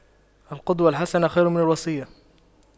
القدوة الحسنة خير من الوصية